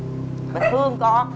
mẹ thương con